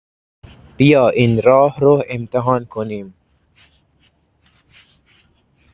بیا این راه رو امتحان کنیم.